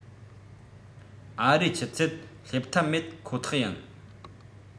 ཨ རིའི ཆུ ཚད སླེབས ཐབས མེད ཁོ ཐག ཡིན